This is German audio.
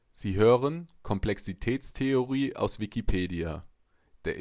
Sie hören den Artikel Komplexitätstheorie, aus Wikipedia, der